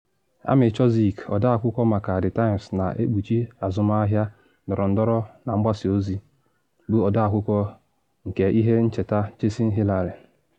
Amy Chozick, ọdee akwụkwọ maka The Times na ekpuchi azụmahịa, ndọrọndọrọ na mgbasa ozi, bụ ọdee akwụkwọ nke ihe ncheta “Chasing Hillary.”